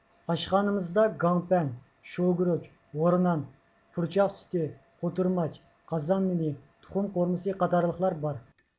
ئاشخانىمىزدا گاڭپەن شوۋىگۈرۈچ ھورنان پۇرچاق سۈتى قوتۇرماچ قازان نېنى تۇخۇم قورۇمىسى قاتارلىقلار بار